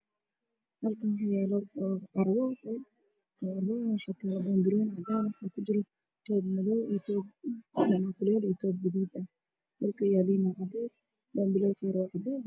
Waa carwo waxa ii muuqda saakooyin oo meel saaran oo ah guduud jaallo buluug ah